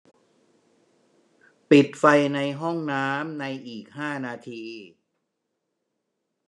ปิดไฟในห้องน้ำในอีกห้านาที